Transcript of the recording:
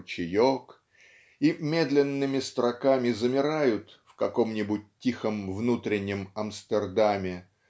ручеек" и медленными строками замирают в каком-нибудь тихом внутреннем Амстердаме